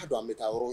A don an bɛ taa yɔrɔ